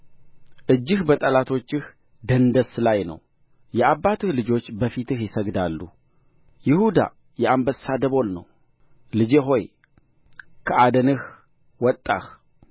እጅህ በጠላቶችህ ደንደስ ላይ ነው የአባትህ ልጆች በፊትህ ይሰግዳሉ ይሁዳ የአንበሳ ደቦል ነው ልጄ ሆይ ከአደንህ ወጣህ